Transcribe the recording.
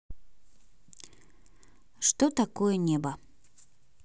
что такое небо